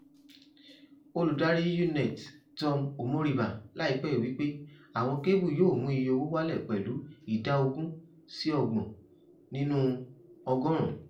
Olùdarí UUnet Tom Omariba láìpẹ́ wí pé àwọn kébù yóò mú iye owó wálẹ̀ pẹ̀lú ìdá 20-30 nínú ọgọ́rùn-ún.